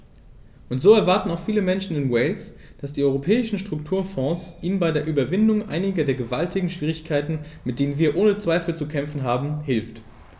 Und so erwarten auch viele Menschen in Wales, dass die Europäischen Strukturfonds ihnen bei der Überwindung einiger der gewaltigen Schwierigkeiten, mit denen wir ohne Zweifel zu kämpfen haben, hilft.